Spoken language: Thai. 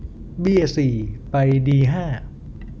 เบี้ยสี่ไปดีห้า